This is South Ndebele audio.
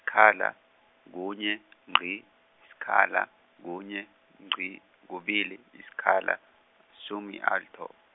-khala, kunye , ngqi, sikhala, kunye, ngqi, kubili, yisikhala, masumi alithoba.